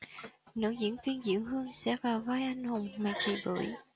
nữ diễn viên diệu hương sẽ vào vai anh hùng mạc thị bưởi